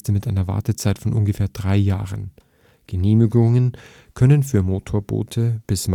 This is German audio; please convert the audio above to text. mit einer Wartezeit von ungefähr drei Jahren. Genehmigungen können für Motorboote bis